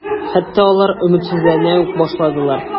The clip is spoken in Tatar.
Хәтта алар өметсезләнә үк башладылар.